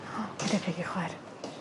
O ma'n debyg i'w chwaer.